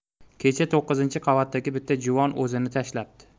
kecha to'qqizinchi qavatdagi bitta juvon o'zini tashlabdi